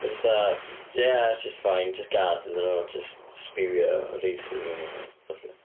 Ma' jyst fatha, ia jyst fine jyst gad iddyn nhw jyst spewio racism a petha, ballu.